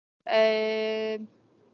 yym